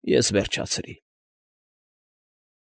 Ես վերջացրի։